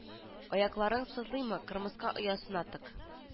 Аякларың сызлыймы кырмыска оясына тык